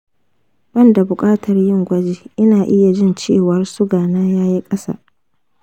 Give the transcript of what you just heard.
ban da buƙatar yin gwaji, ina iya jin cewa suga na yayi ƙasa.